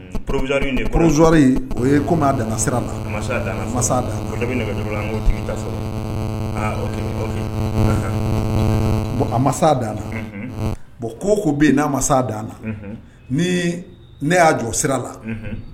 Zori o ye komi a dan sira a ma dan bon ko ko bɛ yen n'a masa dan a ni ne y'a jɔ sira la